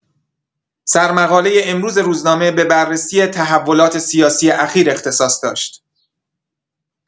سرمقاله امروز روزنامه به بررسی تحولات سیاسی اخیر اختصاص داشت.